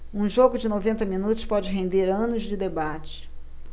um jogo de noventa minutos pode render anos de debate